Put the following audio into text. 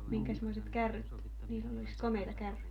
minkäsmoiset kärryt niillä olikos komeita kärryjä